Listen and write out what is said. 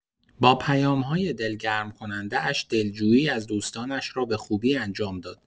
با پیام‌های دلگرم‌کننده‌اش، دلجویی از دوستانش را به خوبی انجام داد.